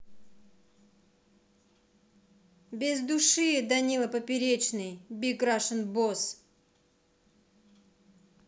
без души данила поперечный big russian boss